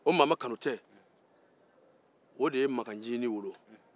maama kanutɛ ye makan ncinin wolo